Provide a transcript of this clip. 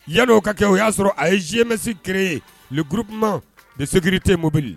Yanni'o ka kɛ o y'a sɔrɔ a ye zemɛsi kelene ye guruk de segkirite mobili